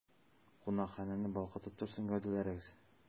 Кунакханәне балкытып торсын гәүдәләрегез!